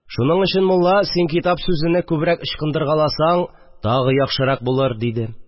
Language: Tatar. Шуның өчен, мулла, син китап сүзене күбрәк ычкындыргаласаң, тагы яхшырак булыр, – диде